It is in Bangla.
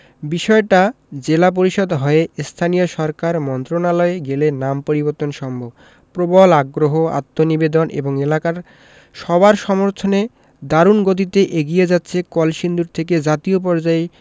বিষয়টা জেলা পরিষদ হয়ে স্থানীয় সরকার মন্ত্রণালয়ে গেলে নাম পরিবর্তন সম্ভব প্রবল আগ্রহ আত্মনিবেদন এবং এলাকার সবার সমর্থনে দারুণ গতিতে এগিয়ে যাচ্ছে কলসিন্দুর থেকে জাতীয় পর্যায়ে